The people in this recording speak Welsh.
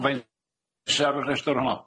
Yy faint sa ar y restyr honno?